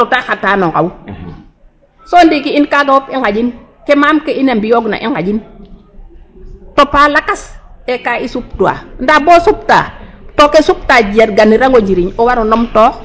To ta xata no nqaw so ndiiki in kaaga fop i nqaƴin ke maam ke in a mbi'oogina i nqaƴin topa lakas ee ka i supta ndaa bo o supta to ke o supta jeganirang o njiriñ o war o numtoox .